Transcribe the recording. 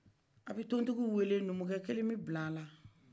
a bɛ tɔntikiw wele numukɛ kelen bil'ala